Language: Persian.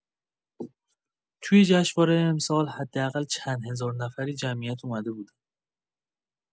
توی جشنواره امسال حدااقل چند هزارنفری جمعیت اومده بودن.